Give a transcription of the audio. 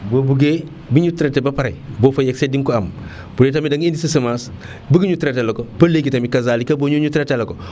boo bëggee bu ñu traité ba pare boo fa yegsee di nga ko am bu dee tamit da nga indi sa semence bëgg ñu traité teel la ko ba léegi tamit kasaalika boo ñëwee ñu traité teel la ko